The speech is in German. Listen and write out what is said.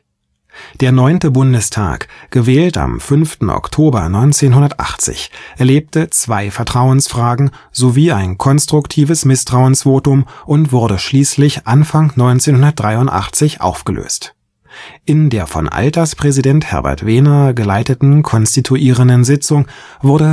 Der neunte Bundestag, gewählt am 5. Oktober 1980, erlebte zwei Vertrauensfragen sowie ein konstruktives Misstrauensvotum und wurde schließlich Anfang 1983 aufgelöst. In der von Alterspräsident Herbert Wehner geleiteten konstituierenden Sitzung wurde